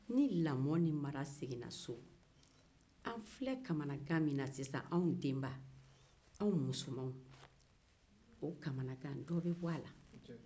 ni lamɔ seginna so sisan anw denbaw bɛ kamanagan min na dɔ bɛ bɔ a la